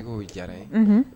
I k'o diyara n ye